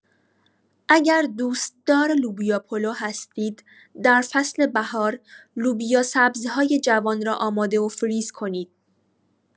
اگر دوستدار لوبیا پلو هستید در فصل بهار لوبیا سبزهای جوان را آماده و فریز کنید.